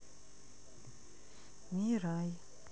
мирай